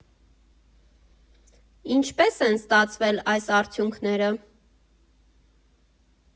Ինչպե՞ս են ստացվել այս արդյունքները։